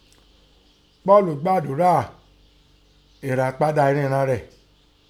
Pọ́ọ̀lù gbàdọ́rà ẹ̀ràpadà ìriìran rẹ̀.